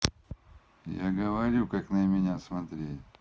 я говорю как на меня смотреть